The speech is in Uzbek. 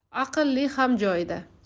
aqli ham joyida